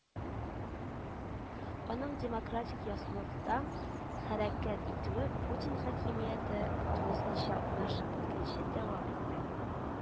Аның демократик яссылыкта хәрәкәт итүе Путин хакимияте тулысынча урнашып беткәнче дәвам итте